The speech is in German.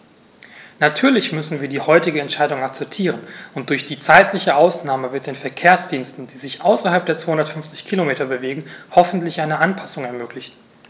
Natürlich müssen wir die heutige Entscheidung akzeptieren, und durch die zeitliche Ausnahme wird den Verkehrsdiensten, die sich außerhalb der 250 Kilometer bewegen, hoffentlich eine Anpassung ermöglicht.